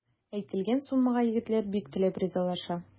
Әйтелгән суммага егетләр бик теләп ризалаша.